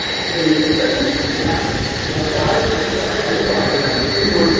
thì ít nhất là một cái mà chúng ta có thể gọi là một cái bôi đích